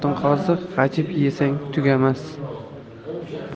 qoziq g'ajib yesang tugamas